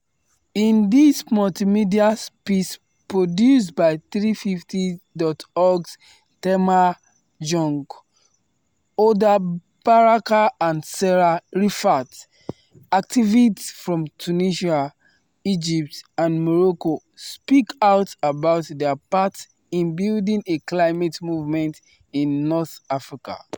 In this multimedia piece produced by 350.org’s Thelma Young, Hoda Baraka and Sarah Rifaat, activists from Tunisia, Egypt and Morocco speak out about their part in building a climate movement in North Africa.